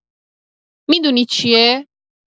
می‌دونی چیه؟